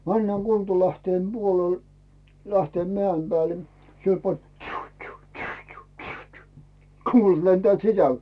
mennään Kultalähteen puolelle Lähteenmäen päälle siellä pani että tsyy tsyy tsyy tsyy tsyy tsyy kuulat lentävät sisälle